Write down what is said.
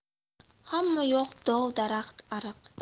hammayoq dov daraxt ariq